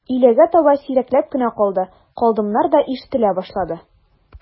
Өйләгә таба сирәкләп кенә «калды», «калдым»нар да ишетелә башлады.